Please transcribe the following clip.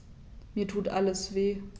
Mir tut alles weh.